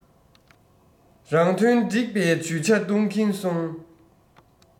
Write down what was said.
རང དོན སྒྲིག པའི ཇུས ཆ གཏོང གིན སོང